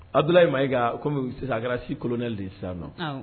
Abdoulaye Maiga comme sisan a kɛra 6 colonels de ye sisan nɔ awɔ